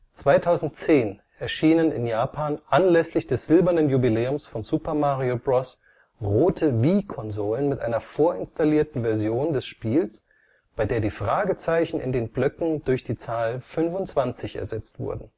2010 erschienen in Japan anlässlich des silbernen Jubiläums von Super Mario Bros. rote Wii-Konsolen mit einer vorinstallierten Version des Spiels, bei der die Fragezeichen in den Blöcken durch die Zahl „ 25 “ersetzt wurden